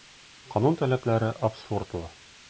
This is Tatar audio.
Канун таләпләре абсурдлы.